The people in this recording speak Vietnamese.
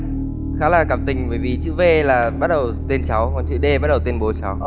khá là cảm tình bởi vì chữ vê là bắt đầu tên cháu còn chữ đê bắt đầu tên bố cháu